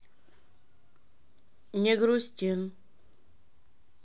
негрустин